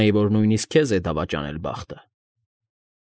Էի, որ նույնիսկ քեզ է դավաճանել բախտը։